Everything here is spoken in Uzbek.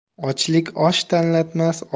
ochlik osh tanlatmas